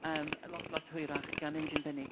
Yym, lot lot hwyrach gan Imogen Binnie.